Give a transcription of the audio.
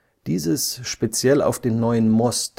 Dieses speziell auf den neuen MOS